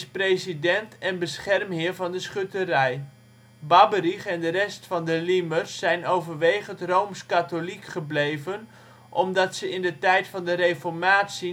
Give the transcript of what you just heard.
president en beschermheer van de schutterij. Babberich en de rest van de Liemers zijn overwegend rooms-Katholiek gebleven omdat ze in de tijd van de Reformatie